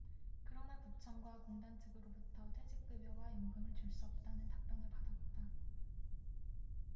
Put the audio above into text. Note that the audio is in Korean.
그러나 구청과 공단 측으로부터 퇴직급여와 연금을 줄 수 없다는 답변을 받았다